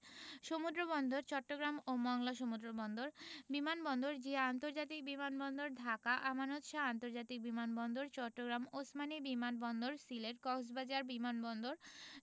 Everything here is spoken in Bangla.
সমুদ্রবন্দরঃ চট্টগ্রাম ও মংলা সমুদ্রবন্দর বিমান বন্দরঃ জিয়া আন্তর্জাতিক বিমান বন্দর ঢাকা আমানত শাহ্ আন্তর্জাতিক বিমান বন্দর চট্টগ্রাম ওসমানী বিমান বন্দর সিলেট কক্সবাজার বিমান বন্দর